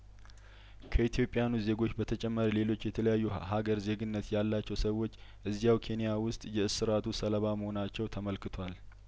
ከኢትዮጵያ ውያኑ ዜጐች በተጨማሪ ሌሎች የተለያየሀ ሀገር ዜግነት ያላቸው ሰዎች እዚያው ኬንያውስጥ የእስራቱ ሰለባ መሆናቸው ተመልክቷል